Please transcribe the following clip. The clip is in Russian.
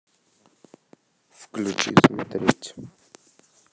включить смотреть